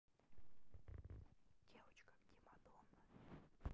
девочка где мадонна